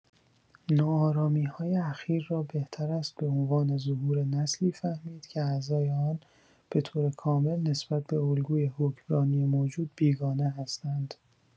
ناآرامی‌های اخیر را بهتر است به عنوان ظهور نسلی فهمید که اعضای آن به‌طور کامل نسبت به الگوی حکمرانی موجود بیگانه هستند.